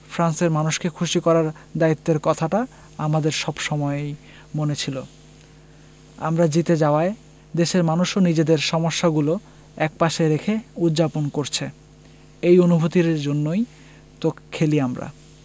ফ্রান্সের মানুষকে খুশি করার দায়িত্বের কথাটা আমাদের সব সময়ই মনে ছিল আমরা জিতে যাওয়ায় দেশের মানুষও নিজেদের সমস্যাগুলো একপাশে রেখে উদ্ যাপন করছে এই অনুভূতির জন্যই তো খেলি আমরা